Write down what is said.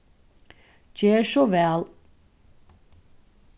ger so væl